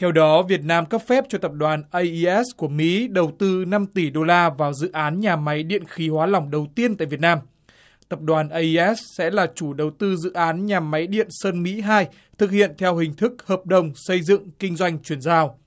theo đó việt nam cấp phép cho tập đoàn ây i ét của mỹ đầu tư năm tỷ đô la vào dự án nhà máy điện khí hóa lỏng đầu tiên tại việt nam tập đoàn ây i ét sẽ là chủ đầu tư dự án nhà máy điện sơn mỹ hai thực hiện theo hình thức hợp đồng xây dựng kinh doanh chuyển giao